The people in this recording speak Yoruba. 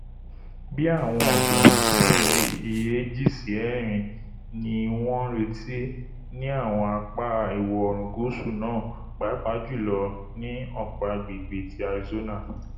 Bi ìwọ̀n òjò íǹsì 2 si 4 ni wọ́n ńretí ní àwọn apá Ìwọ-oòrùn Gúúsù náà, papàá jùlọ ní ọ̀pọ̀ agbègbè ti Arizona.